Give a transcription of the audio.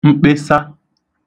mkpesa